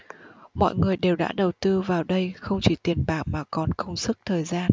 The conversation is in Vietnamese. mọi người đều đã đầu tư vào đây không chỉ tiền bạc mà còn công sức thời gian